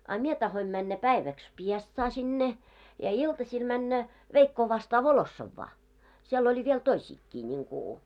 a minä tahdoin mennä päiväksi Piestsaan sinne ja iltasilla mennä veikkoa vastaan Volossovaan siellä oli vielä toisiakin niin kuin